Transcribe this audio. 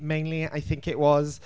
Mainly? I think it was?